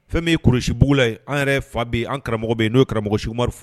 Fɛn min ye Kuresibugu la ye an yɛrɛ fa be ye an karamɔgɔ be ye n'o ye karamɔgɔ Cheick Umar F